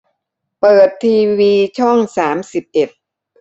เปิดทีวีช่องสามสิบเอ็ด